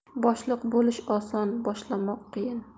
boshliq bo'lish oson boshlamoq qiyin